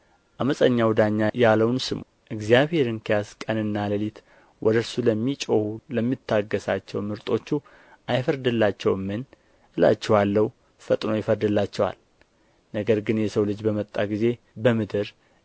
ዓመፀኛው ዳኛ ያለውን ስሙ እግዚአብሔር እንኪያስ ቀንና ሌሊት ወደ እርሱ ለሚጮኹ ለሚታገሣቸውም ምርጦቹ አይፈርድላቸውምን እላችኋለሁ ፈጥኖ ይፈርድላቸዋል ነገር ግን የሰው ልጅ በመጣ ጊዜ በምድር